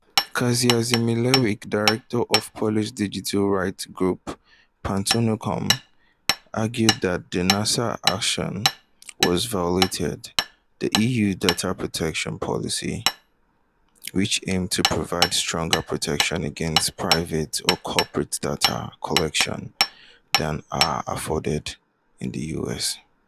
Kasia Szymielewicz, director of Polish digital rights group Panoptykon, argued that the NSA's actions would violate the EU's data protection policies, which aim to provide stronger protections against private or corporate data collection than are afforded in the US.